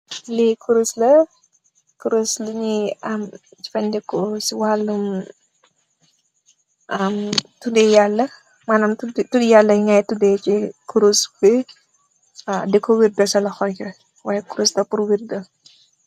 li koros la dan'g si tudu tori yallah ga shi wirdah si sa loho bi